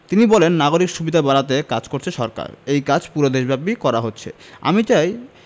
তিনি বলেন নাগরিক সুবিধা বাড়াতে কাজ করছে সরকার এই কাজ পুরো দেশব্যাপী করা হচ্ছে আমি চাই